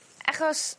Achos